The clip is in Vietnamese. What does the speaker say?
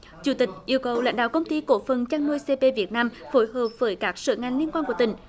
chủ tịch yêu cầu lãnh đạo công ty cổ phần chăn nuôi xê pê việt nam phối hợp với các sở ngành liên quan của tỉnh